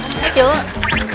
thấy chưa